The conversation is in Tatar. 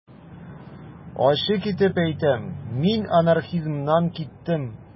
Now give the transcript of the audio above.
Ачык итеп әйтәм: мин анархизмнан киттем.